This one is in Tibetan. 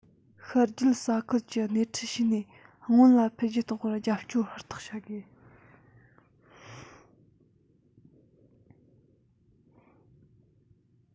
ཤར རྒྱུད ས ཁུལ གྱིས སྣེ ཁྲིད བྱས ནས སྔོན ལ འཕེལ རྒྱས གཏོང བར རྒྱབ སྐྱོར ཧུར ཐག བྱ དགོས